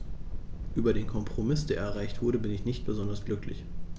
Über den Kompromiss, der erreicht wurde, bin ich nicht besonders glücklich.